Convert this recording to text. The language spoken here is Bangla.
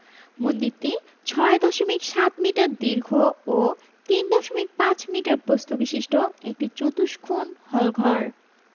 মন্দিরটি ৬ দশমিক ৭ মিটার দীর্ঘ ও ৩ দশমিক ৫ মিটার প্রস্থ বিশিষ্ট একটি চতুষ্কোণ হলঘর